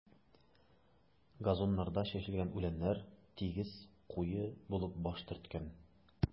Газоннарда чәчелгән үләннәр тигез, куе булып баш төрткән.